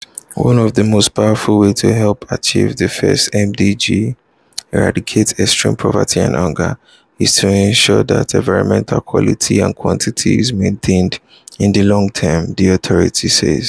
“One of the most powerful ways to help achieve the first MDG – eradicate extreme poverty and hunger – is to ensure that environmental quality and quantity is maintained in the long term,” the authors say.